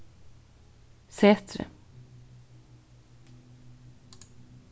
setrið